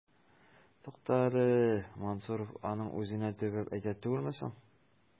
Тукта әле, Мансуров аның үзенә төбәп әйтә түгелме соң? ..